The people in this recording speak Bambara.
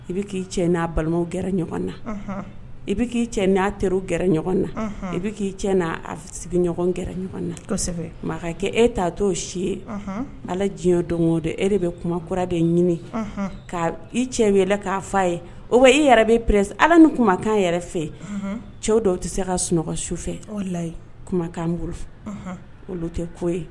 I bɛ k'i cɛ n'a balimaw kɛra ɲɔgɔn na i bɛ k'i cɛ n'a teri o kɛra ɲɔgɔn na i bɛ k'i cɛ n'a sigiɲɔgɔn kɛra ɲɔgɔn na kɛ e t'a to' o si ala diɲɛ dɔn o don e de bɛ kuma kura de ɲini ka i cɛ wele k'a'a ye o bɛ e yɛrɛ bɛ peres ala ni kumakan yɛrɛ fɛ cɛw dɔw tɛ se ka sunɔgɔ su fɛ oyi kumakanan bolo olu tɛ ko ye